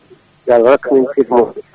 yo Allah rokku en no tinnorte